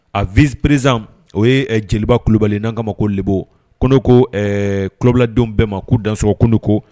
A vizperez o ye jeliba kubali n'ana ka ma ko bbo ko ko kubadenw bɛɛ ma k'u dansokun ko